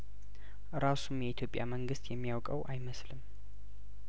ራሱም የኢትዮጵያ መንግስት የሚያውቀው አይመስልም